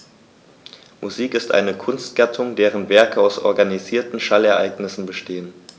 Musik ist eine Kunstgattung, deren Werke aus organisierten Schallereignissen bestehen.